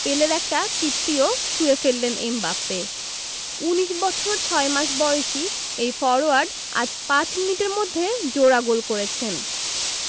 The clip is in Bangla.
পেলের একটা কীর্তিও ছুঁয়ে ফেললেন এমবাপ্পে ১৯ বছর ৬ মাস বয়সী এই ফরোয়ার্ড আজ ৫ মিনিটের মধ্যে জোড়া গোল করেছেন